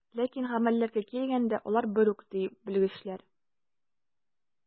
Ләкин гамәлләргә килгәндә, алар бер үк, ди белгечләр.